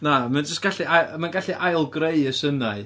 Na mae o'n jyst gallu ai... mae'n gallu ailgreu y synnau.